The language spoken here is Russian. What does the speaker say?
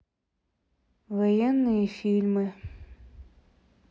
военные фильмы